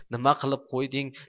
nima qilib qo'yding